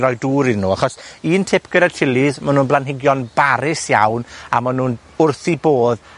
roi dŵr iddyn nhw. Achos, un tip gyda'r chilis, ma' nw'n blanhigion barus iawn ac ma' nw'n wrth 'u bodd